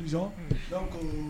Urgent unh donc